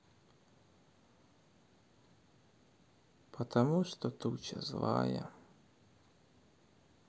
потому что туча злая